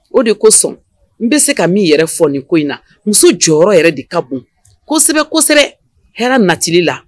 O de ko sɔn n bɛ se ka min yɛrɛ fɔ nin ko in na muso jɔyɔrɔ yɛrɛ de ka bon kosɛbɛ kosɛbɛ hɛrɛ natiri la